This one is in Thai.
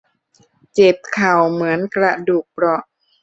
เจ็บเข่าเหมือนกระดูกเปราะ